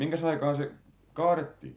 Mihinkäs aikaan se kaadettiin